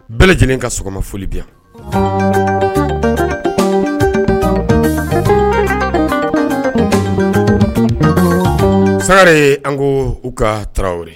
Bɛɛ lajɛlen ka sɔgɔma foli bi yan sagare an ko u ka tarawelewri